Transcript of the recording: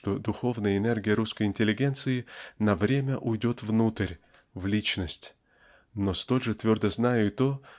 что духовная энергия русской интеллигенции на время уйдет внутрь в личность но столь же твердо знаю и то